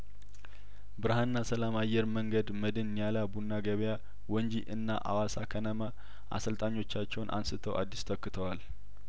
ብርሀንና ሰላም አየር መንገድ መድን ኒያላ ቡና ገበያወንጂ እና አዋሳ ከነማ አሰልጣኞቻቸውን አንስተው አዲስ ተክተዋል